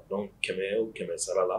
Don kɛmɛ o kɛmɛ sara la